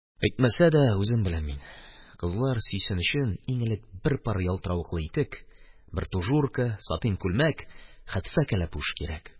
Әйтмәсә дә, үзем беләм мин: кызлар сөйсен өчен, иң элек бер пар ялтыравыклы итек, бер тужурка, сатин күлмәк, хәтфә кәләпүш кирәк...